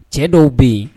Cɛ dɔw bɛ yen